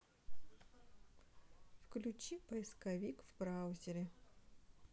включи поисковик в браузере